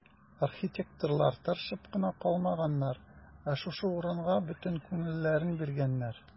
Архитекторлар тырышып кына калмаганнар, ә шушы урынга бөтен күңелләрен биргәннәр.